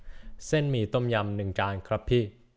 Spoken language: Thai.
เส้นหมี่ต้มยำหนึ่งจานครับพี่